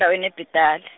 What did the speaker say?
endaweni yePitali.